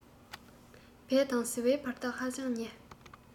བད དང ཟིལ བའི བར ཐག ཧ ཅང ཉེ